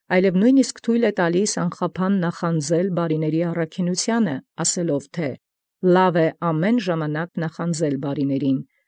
Այլև համարձակութիւն իսկ տայ անխափան ի բարեացն առաքինութիւն, թէ՝ «Լաւ է յամենայն ժամ նախանձել ի բարիսե։